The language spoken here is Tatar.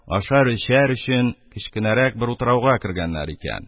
Ашар- эчәр өчен кечкенәрәк бер утрауга кергәннәр икән;